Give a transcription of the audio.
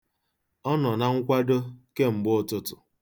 Ọ nọ na nkwado kemgbe ụtụtụ.